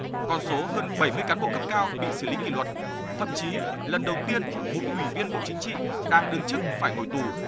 con số hơn bảy mươi cán bộ cấp cao bị xử lý kỷ luật thậm chí lần đầu tiên một ủy viên bộ chính trị đang đương chức phải ngồi tù